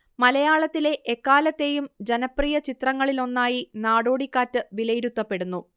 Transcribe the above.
മലയാളത്തിലെ എക്കാലത്തെയും ജനപ്രിയ ചിത്രങ്ങളിലൊന്നായി നടോടിക്കാറ്റ് വിലയിരുത്തപ്പെടുന്നു